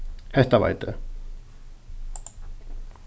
hetta veit eg